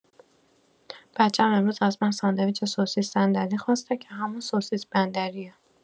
بچم امروز از من ساندویچ سوسیس صندلی خواسته که همون سوسیس بندریه